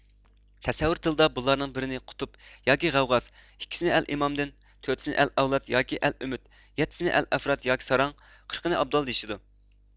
تەسەۋۋۇر تىلىدا بۇلارنىڭ بىرىنى قۇتۇب ياكى غەۋۋاس ئىككىسىنى ئەل ئىمامىدىن تۆتىسىنى ئەل ئەۋلاد ياكى ئەل ئۈمۈد يەتتىسىنى ئەل ئەفراد ياكى ساراڭ قىرىقىنى ئابدال دېيىشىدۇ